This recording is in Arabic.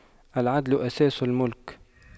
العدل أساس الْمُلْك